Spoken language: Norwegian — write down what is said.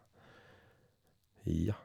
Ja.